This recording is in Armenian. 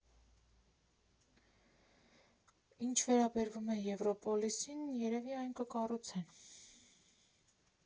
Ինչ վերաբերում է Եվրոպոլիսին՝ երևի այն կկառուցեն։